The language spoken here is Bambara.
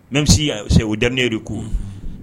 Ne bɛ se o da de ko